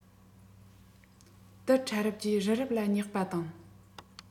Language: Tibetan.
རྡུལ ཕྲ རབ ཀྱིས རི རབ ལ བསྙེགས པ དང